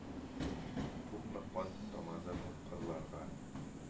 Күпме кан тамды бу кырларга.